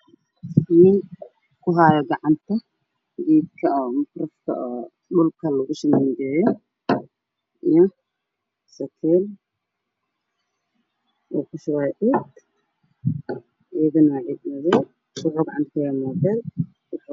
Waxaa ii muuqda wiil wax abuurayo fadhiya meel gacanta ku hayo bahal ka wuxuu